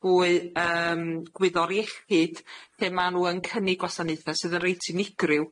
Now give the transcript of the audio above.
fwy yym gwyddor iechyd, lle ma' nw yn cynnig gwasanaethe sydd yn reit unigryw,